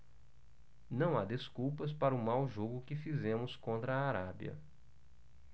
não há desculpas para o mau jogo que fizemos contra a arábia